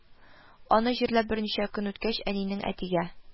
Аны җирләп берничә көн үткәч, әнинең әтигә: